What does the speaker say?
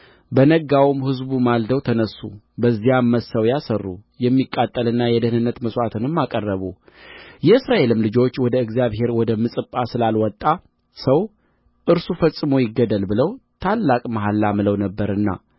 በነጋውም ሕዝቡ ማልደው ተነሡ በዚያም መሠዊያ ሠሩ የሚቃጠልና የደኅንነት መሥዋዕትንም አቀረቡ የእስራኤልም ልጆች ወደ እግዚአብሔር ወደ ምጽጳ ስላልወጣ ሰው እርሱ ፈጽሞ ይገደል ብለው ታላቅ መሐላ ምለው ነበርና